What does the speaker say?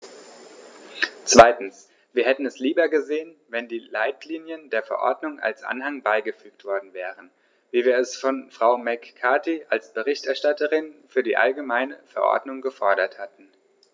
Zweitens: Wir hätten es lieber gesehen, wenn die Leitlinien der Verordnung als Anhang beigefügt worden wären, wie wir es von Frau McCarthy als Berichterstatterin für die allgemeine Verordnung gefordert hatten.